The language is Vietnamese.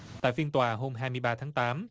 tại phiên tòa hôm hai mươi ba tháng tám